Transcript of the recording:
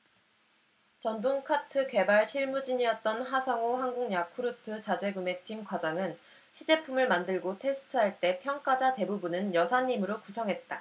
전동카트 개발 실무진이었던 하성오 한국야쿠르트 자재구매팀 과장은 시제품을 만들고 테스트할 때 평가자 대부분은 여사님으로 구성했다